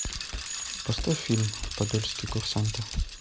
поставь фильм подольские курсанты